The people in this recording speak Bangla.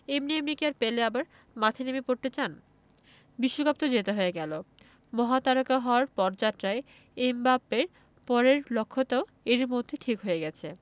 এমনি এমনি কি আর পেলে আবার মাঠে নেমে পড়তে চান বিশ্বকাপ তো জেতা হয়ে গেল মহাতারকা হওয়ার পথযাত্রায় এমবাপ্পের পরের লক্ষ্যটাও এরই মধ্যে ঠিক হয়ে গেছে